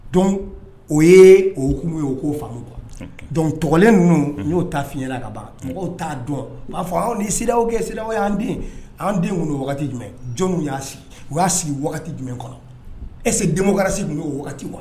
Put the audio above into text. Dɔn o ye okumu ye o k'o faamumu kuwa dɔnku tɔgɔlen ninnu n y'o ta fila ka ban mɔgɔw t'a dɔn'a fɔ anww kɛ ye den anw denw tun don wagati jumɛn jɔn y'a sigi u y'a sigi wagati jumɛn kɔnɔ ese denkarasi tun'o wagati wa